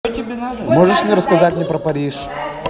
можешь рассказать мне про париж